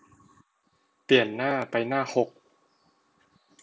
เปลี่ยนหน้าไปหน้าหก